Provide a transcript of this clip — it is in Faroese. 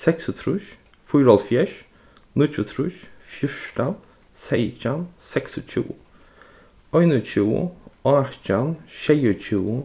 seksogtrýss fýraoghálvfjerðs níggjuogtrýss fjúrtan seytjan seksogtjúgu einogtjúgu átjan sjeyogtjúgu